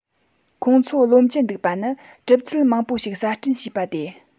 ཁོང ཚོ རློམ གྱི འདུག པ ནི གྲུབ ཚུལ མང པོ ཞིག གསར སྐྲུན བྱས པ དེ